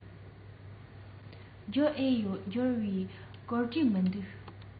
འབྱོར ཨེ ཡོད འབྱོར བའི སྐོར བྲིས མི འདུག